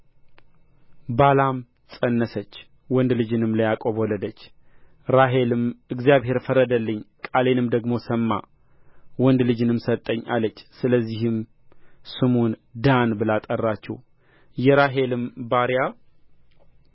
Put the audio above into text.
ባላም ፀነሰች ወንድ ልጅንም ለያዕቆብ ወለደችለት ራሔልም እግዚአብሔር ፈረደልኝ ቃሌንም ደግሞ ሰማ ወንድ ልጅንም ሰጠኝ አለች ስለዚህ ስሙን ዳን ብላ ጠራችው የራሔልም ባሪያ